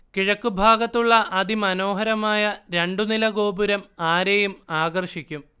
കിഴക്കുഭാഗത്തുള്ള അതിമനോഹരമായ രണ്ടുനില ഗോപുരം ആരെയും ആകർഷിയ്ക്കും